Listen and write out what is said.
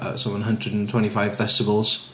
'Sa fo'n hundred and twenty five decibels.